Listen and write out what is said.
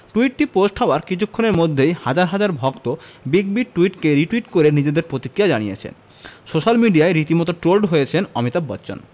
টুইটটি post হওয়ার কিছুক্ষণের মধ্যেই হাজার হাজার ভক্ত বিগ বির টুইটকে রিটুইট করে নিজেদের প্রতিক্রিয়া জানিয়েছেন সোশ্যাল মিডিয়ায় রীতিমতো ট্রোলড হয়েছেন অমিতাভ বচ্চন